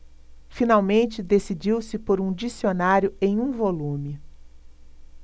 finalmente decidiu-se por um dicionário em um volume